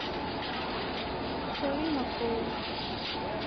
карина кроус